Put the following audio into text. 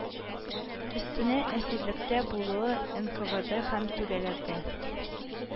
Өстенә, әсирлектә булуы энкавэдэ һәм түрәләрдә